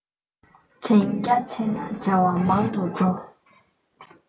དྲན རྒྱ ཆེ ན བྱ བ མང དུ འགྲོ